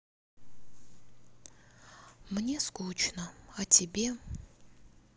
мне скучно а тебе